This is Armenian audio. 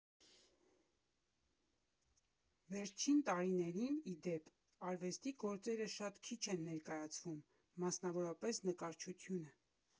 Վերջին տարիներին, ի դեպ, արվեստի գործերը շատ քիչ են ներկայացվում, մասնավորապես նկարչությունը։